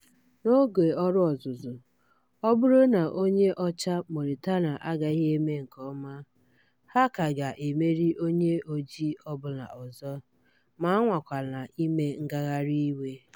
N'oge ọrụ ọzụzụ, ọ bụrụ na onye ọcha Mauritania agaghị eme nke ọma, ha ka ga-emeri onye ojii ọ bụla ọzọ. Ma anwakwala ime ngagharịiwe ...